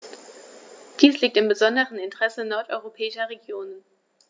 Dies liegt im besonderen Interesse nordeuropäischer Regionen.